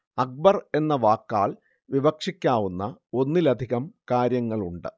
അക്ബർ എന്ന വാക്കാൽ വിവക്ഷിക്കാവുന്ന ഒന്നിലധികം കാര്യങ്ങളുണ്ട്